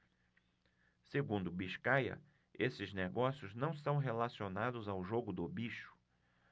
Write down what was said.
segundo biscaia esses negócios não são relacionados ao jogo do bicho